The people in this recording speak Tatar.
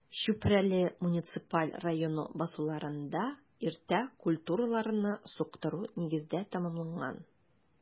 Чүпрәле муниципаль районы басуларында иртә культураларны суктыру нигездә тәмамланган.